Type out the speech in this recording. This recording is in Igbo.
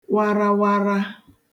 warawara